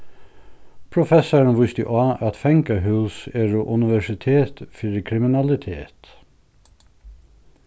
professarin vísti á at fangahús eru universitet fyri kriminalitet